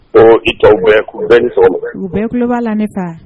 Ko i tɔw bɛ u bɛ nisɔn u bɛ tuloba la ne ta